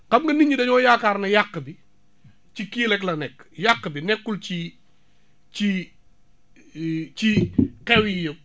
xam nga nit ñi dañoo yaakaar ne ne yàq bi ci kii rek la nekk yàq bi nekkul ci ci ci xew yi